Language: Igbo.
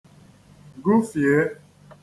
gụfị̀e